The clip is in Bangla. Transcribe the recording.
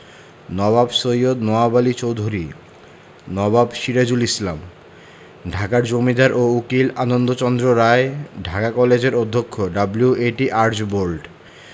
নবাব সৈয়দ নওয়াব আলী চৌধুরী নবাব সিরাজুল ইসলাম ঢাকার জমিদার ও উকিল আনন্দচন্দ্র রায় ঢাকা কলেজের অধ্যক্ষ ডব্লিউ.এ.টি আর্চবোল্ড